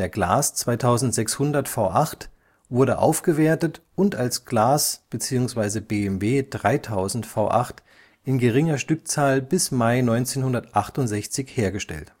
Glas 2600 V8 wurde aufgewertet und als Glas/BMW 3000 V8 in geringer Stückzahl bis Mai 1968 hergestellt